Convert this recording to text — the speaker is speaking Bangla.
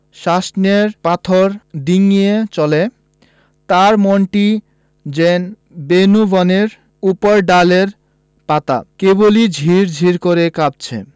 শাসনের পাথর ডিঙ্গিয়ে চলে তার মনটি যেন বেনূবনের উপরডালের পাতা কেবলি ঝির ঝির করে কাঁপছে